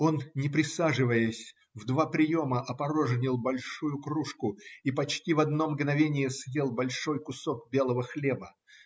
он, не присаживаясь, в два приема опорожнил большую кружку и почти в одно мгновение съел большой кусок белого хлеба.